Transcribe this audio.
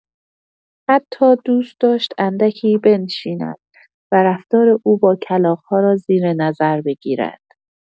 حتی دوست داشت اندکی بنشیند و رفتار او با کلاغ‌ها را زیر نظر بگیرد.